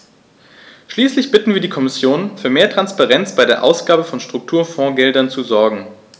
Schließlich bitten wir die Kommission, für mehr Transparenz bei der Ausgabe von Strukturfondsgeldern zu sorgen.